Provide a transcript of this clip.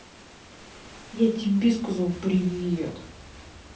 я тебе сказал привет